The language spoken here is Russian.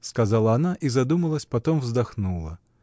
— сказала она и задумалась, потом вздохнула.